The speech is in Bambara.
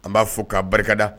An b'a fo k'a barikada